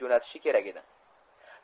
jo'natishi kerak edi